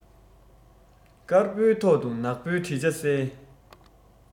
དཀར པོའི ཐོག ཏུ ནག པོའི བྲིས ཆ གསལ